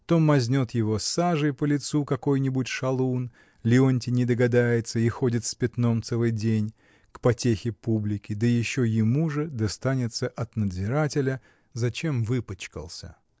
То мазнет его сажей по лицу какой-нибудь шалун, Леонтий не догадается и ходит с пятном целый день, к потехе публики, да еще ему же достанется от надзирателя, зачем выпачкался.